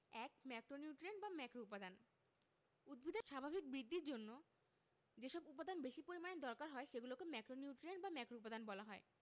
১ macronutrient বা ম্যাক্রোউপাদান উদ্ভিদের স্বাভাবিক বৃদ্ধির জন্য যেসব উপাদান বেশি পরিমাণে দরকার হয় সেগুলোকে ম্যাক্রোনিউট্রিয়েন্ট বা ম্যাক্রোউপাদান বলা হয়